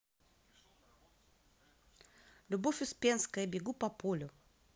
любовь успенская бегу по полю